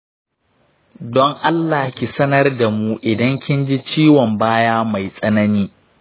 don allah ki sanar damu idan kinji ciwon baya mai tsanani